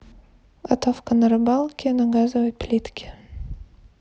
готовка на рыбалке на газовой плитке